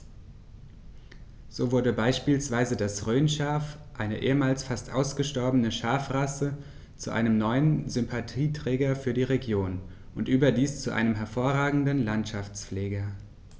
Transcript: So wurde beispielsweise das Rhönschaf, eine ehemals fast ausgestorbene Schafrasse, zu einem neuen Sympathieträger für die Region – und überdies zu einem hervorragenden Landschaftspfleger.